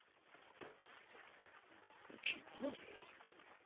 учить детей